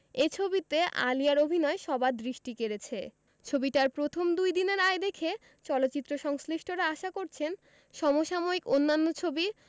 এই ছবিতে আলিয়ার অভিনয় সবার দৃষ্টি কেড়েছে ছবিটার প্রথম দুইদিনের আয় দেখে চলচ্চিত্র সংশ্লিষ্টরা আশা করছেন সম সাময়িক অন্যান্য ছবি